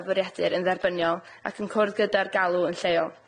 a fwriadur yn dderbyniol ac yn cwrdd gyda'r galw yn lleol.